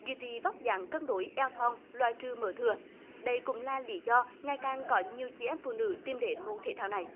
duy trì vóc dáng cân đối eo thon loại trừ mỡ thừa đây cũng là lý do ngày càng có nhiều chị em phụ nữ tìm đến môn thể thao này